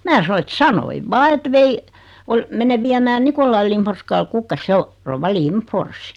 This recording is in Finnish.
minä sanoin että sanoin vain että vein - menen viemään Nikolai Lindforskalle kukkasia se on rouva Lindfors